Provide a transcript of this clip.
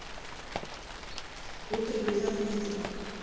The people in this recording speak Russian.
утро без отметок